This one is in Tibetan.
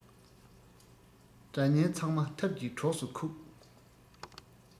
དགྲ གཉེན ཚང མ ཐབས ཀྱིས གྲོགས སུ ཁུག